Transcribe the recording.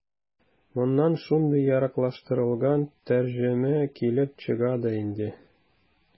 Моннан шундый яраклаштырылган тәрҗемә килеп чыга да инде.